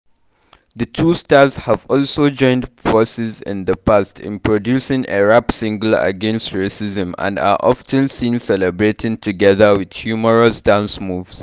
The two stars have also joined forces in the past in producing a rap single against racism and are often seen celebrating together with humorous dance moves.